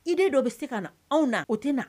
Idée dɔ bɛ se ka na anw na, o tɛ na